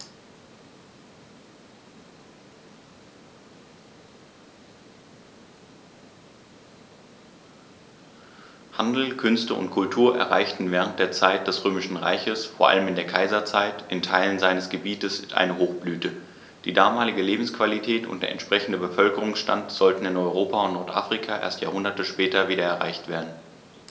Handel, Künste und Kultur erreichten während der Zeit des Römischen Reiches, vor allem in der Kaiserzeit, in Teilen seines Gebietes eine Hochblüte, die damalige Lebensqualität und der entsprechende Bevölkerungsstand sollten in Europa und Nordafrika erst Jahrhunderte später wieder erreicht werden.